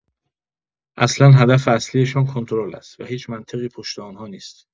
اصلا هدف اصلی‌شان کنترل است و هیچ منطقی پشت آن‌ها نیست.